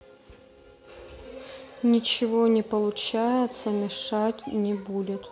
ничего не получается мешать не будет